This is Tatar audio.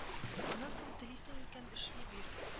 Аннан соң телисең икән эшли бир